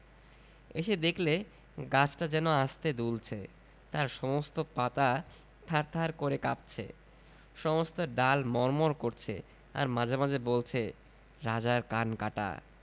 এসে দেখলে গাছটা যেন আস্তে দুলছে তার সমস্ত পাতা থারথার করে কাঁপছে সমস্ত ডাল মড়মড় করছে আর মাঝে মাঝে বলছে রাজার কান কাটা